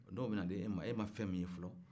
dɔw bɛ na di e ma e ma fɛn min ye fɔlɔ